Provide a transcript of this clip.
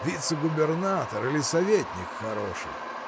— Вице-губернатор или советник хороший.